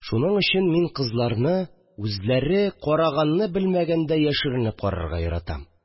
Шуның өчен мин кызларны үзләре караганны белмәгәндә яшеренеп карарга яратам